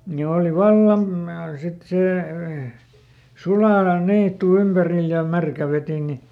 ne oli vallan - sitten se suoalan niitty ympärillä ja märkä vetinen